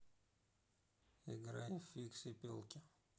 играй фиксипелки